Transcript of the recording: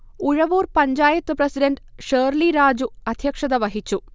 Uzhavoor panchayat president Shirley Raju അധ്യക്ഷത വഹിച്ചു